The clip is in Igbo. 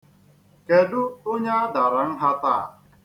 Kedụ onye a dara nha taa?